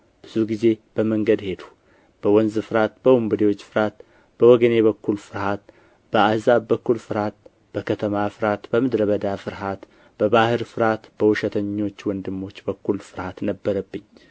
ብዙ ጊዜ በመንገድ ሄድሁ በወንዝ ፍርሃት በወንበዴዎች ፍርሃት በወገኔ በኩል ፍርሃት በአሕዛብ በኩል ፍርሃት በከተማ ፍርሃት በምድረ በዳ ፍርሃት በባሕር ፍርሃት በውሸተኞች ወንድሞች በኩል ፍርሃት ነበረብኝ